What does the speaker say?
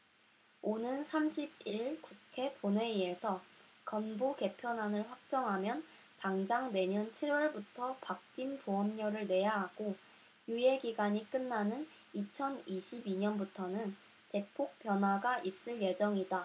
오는 삼십 일 국회 본회의에서 건보 개편안을 확정하면 당장 내년 칠 월부터 바뀐 보험료를 내야 하고 유예 기간이 끝나는 이천 이십 이 년부터는 대폭 변화가 있을 예정이다